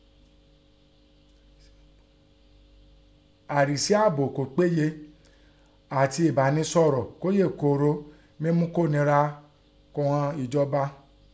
Àrìsí àbò kó péye àti ẹ̀bánisọ̀rọ̀ kó yè kòòrò mí mú kó nira ún ẹ̀jọ̀ba.